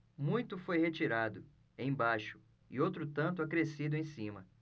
muito foi retirado embaixo e outro tanto acrescido em cima